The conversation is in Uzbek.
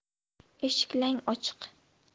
eshik lang ochiq